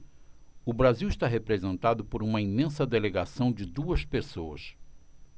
o brasil está representado por uma imensa delegação de duas pessoas